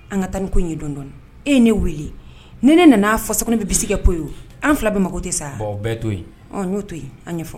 An ka taa ni ko ye dondɔn e ne weele ni ne nana'a fɔ so kɔnɔ bɛ bi kɛ ko ye an fila bɛ mako tɛ sa bɛɛ to yen n'o to yen an ɲɛfɔ